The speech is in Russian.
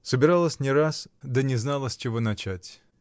Собиралась не раз, да не знала, с чего начать.